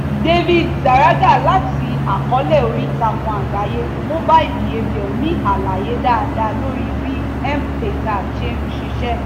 David Zarraga, láti àkọọ́lẹ̀ oríìtakùn àgbáyé Mobile Behavior ní àlàyé dáadáa lórí bí M-Pesa ṣe ń ṣiṣẹ́.